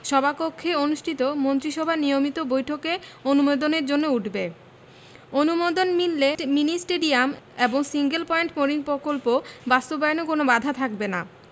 সভাকক্ষে অনুষ্ঠিত মন্ত্রিসভার নিয়মিত বৈঠকে অনুমোদনের জন্য উঠবে অনুমোদন মিললে মিনি স্টেডিয়াম এবং সিঙ্গেল পয়েন্ট মোরিং পকল্প বাস্তবায়নে কোনো বাধা থাকবে না